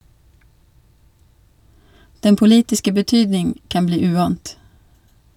Den politiske betydning kan bli uant.